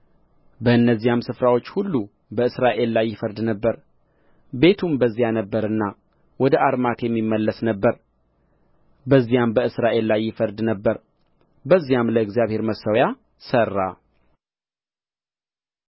በእነዚያም ስፍራዎች ሁሉ በእስራኤል ላይ ይፈርድ ነበር ቤቱም በዚያ ነበረና ወደ አርማቴም ይመለስ ነበር በዚያም በእስራኤል ላይ ይፈርድ ነበር በዚያም ለእግዚአብሔር መሠዊያ ሠራ